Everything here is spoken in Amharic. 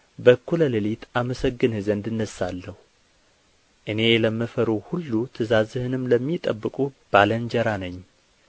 በእኩለ ሌሊት አመሰግንህ ዘንድ እነሣለሁ እኔ ለሚፈሩህ ሁሉ ትእዛዝህንም ለሚጠብቁ ባልንጀራ ነኝ